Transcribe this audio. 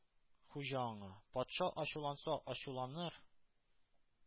Хуҗа аңа: Патша ачуланса ачуланыр,